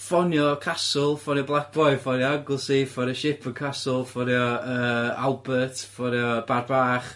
Ffonio Castle, ffonio Black Boy, ffonio Anglesey, ffonio Ship an Castle, ffonio yy Albert, ffonio Bar Bach,